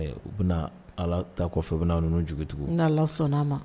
ɛ u bɛna Ala ta kɔfɛ u bɛna ninnu jigi tugu n'Ala sɔnn'a ma